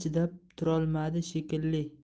chidab turolmadi shekilli